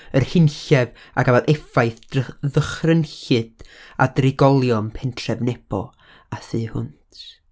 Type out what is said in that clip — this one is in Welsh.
'yr hunllef a gafodd effaith dry- ddychrynllyd ar drigolion pentref Nebo a thu hwnt.'